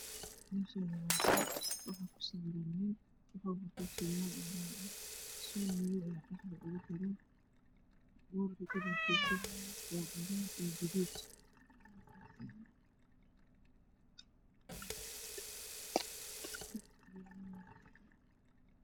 Meshaani waa boor waxaa ku sawirana nin wuxuu wata surwaal cagar suun madow ayaa dheexda uga xiran boorka kalr kisa waa cadan iyo gaduud